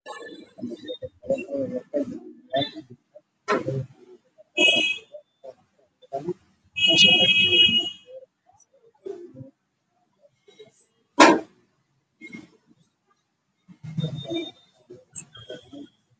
Waa niman beer falaayo oo dhar cadaan wato